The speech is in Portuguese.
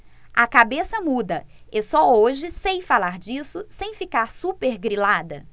a cabeça muda e só hoje sei falar disso sem ficar supergrilada